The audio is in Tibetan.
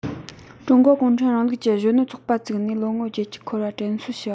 ཀྲུང གོ གུང ཁྲན རིང ལུགས ཀྱི གཞོན ནུ ཚོགས པ བཙུགས ནས ལོ ངོ བརྒྱད ཅུ འཁོར བར དྲན གསོ ཞུ བ